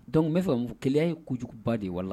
Donc n b'a fɔ ka mun keleya ye kojuguba de ye wala